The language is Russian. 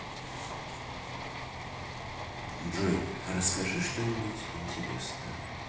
джой расскажи что нибудь интересное